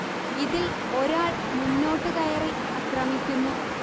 ഇതിൽ ഒരാൾ മുന്നോട്ടു കയറി അക്രമിക്കുന്നു